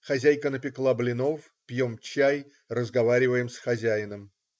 Хозяйка напекла блинов, пьем чай, разговариваем с хозяином.